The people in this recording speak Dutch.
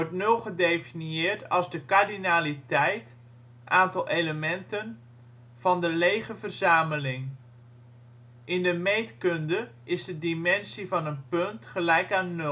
nul gedefinieerd als de kardinaliteit (aantal elementen) van de lege verzameling. In de meetkunde is de dimensie van een punt gelijk aan 0.